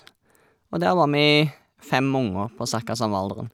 Og der var vi fem unger på cirka samme alderen.